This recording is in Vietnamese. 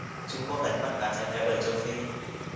trung quốc đánh bắt cá trái phép ở châu phi